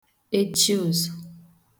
echi ụ̀zọ̀